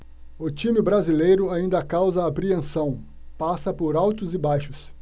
o time brasileiro ainda causa apreensão passa por altos e baixos